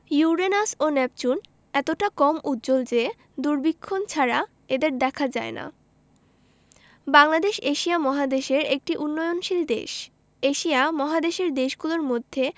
Uranus ও Neptune এতটা কম উজ্জ্বল যে দূরবীক্ষণ ছাড়া এদের দেখা যায় না বাংলাদেশ এশিয়া মহাদেশের একটি উন্নয়নশীল দেশ এশিয়া মহাদেশের দেশগুলোর মধ্যে